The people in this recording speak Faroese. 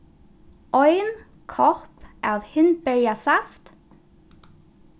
ein kopp av hindberjasaft